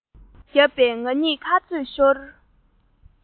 བརྒྱབ པས ང གཉིས ཁ རྩོད ཤོར